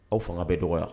Aw fanga bɛ dɔgɔya.